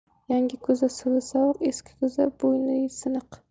yangi ko'za suvi sovuq eski ko'za bo'yni siniq